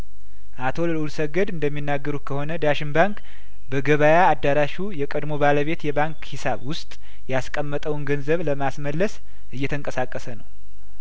አቶ ልኡልሰገድ እንደሚናገሩት ከሆነ ዳሽን ባንክ በገበያ አዳራሹ የቀድሞ ባለቤት የባንክ ሂሳብ ውስጥ ያስቀመጠውን ገንዘብ ለማስመለስ እየተንቀሳቀሰ ነው